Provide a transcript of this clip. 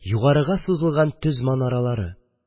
Югарыга сузылган төз манаралары.